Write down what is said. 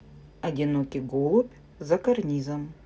одинокий голубь за карнизом